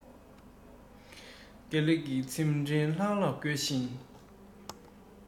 དགེ ལེགས ཀྱི ཚེམས ཕྲེང ལྷག ལྷག དགོད བཞིན